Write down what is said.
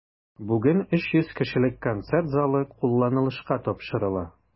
Бүген 300 кешелек концерт залы кулланылышка тапшырыла.